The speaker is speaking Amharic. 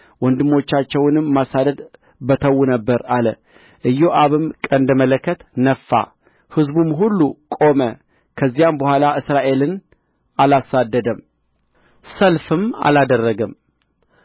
ወንድሞቻቸውንም ማሳደድ በተዉ ነበር አለ ኢዮአብም ቀንደ መለከት ነፋ ሕዝቡም ሁሉ ቆመ ከዚያም በኋላ እስራኤልን አላሳደደም ሰልፍም አላደረገም